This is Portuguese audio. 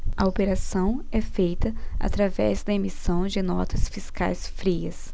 a operação é feita através da emissão de notas fiscais frias